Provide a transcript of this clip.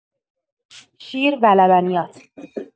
شیر و لبنیات